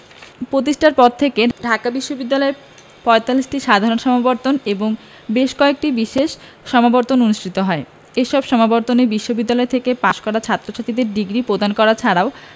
প্রতিষ্ঠার পর থেকে ঢাকা বিশ্ববিদ্যালয়ে ৪৫টি সাধারণ সমাবর্তন এবং বেশ কয়েকটি বিশেষ সমাবর্তন অনুষ্ঠিত হয় এসব সমাবর্তনে বিশ্ববিদ্যালয় থেকে পাশ করা ছাত্রছাত্রীদের ডিগ্রি প্রদান করা ছাড়াও